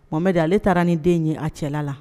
Momed ale taara ni den ye a cɛla la